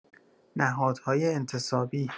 نهادهای انتصابی